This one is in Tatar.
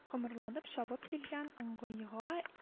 Кымырланып чабып килгән ыңгайга